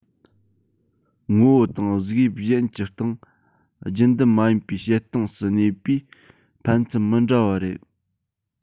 ངོ བོ དང གཟུགས དབྱིབས གཞན གྱི སྟེང རྒྱུན ལྡན མ ཡིན པའི བྱེད སྟངས སུ གནས པས ཕན ཚུན མི འདྲ བ རེད